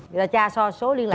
là cha cho số liên